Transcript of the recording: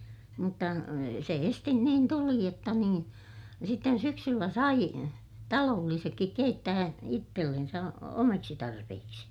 mutta se esisti niin tuli jotta niin sitten syksyllä sai talollisetkin keittää itsellensä omaksi tarpeiksi